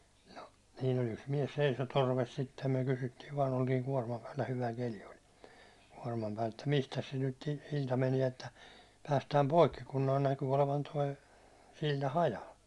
no siinä oli yksi mies seisoi torvesi sitten me kysyttiin vain oltiin kuorman päällä hyvä keli oli kuorman päältä että mistäs se nyt silta menee että päästään poikki kun nuo näkyi olevan tuo silta hajalla